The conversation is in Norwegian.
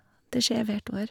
Det skjer hvert år.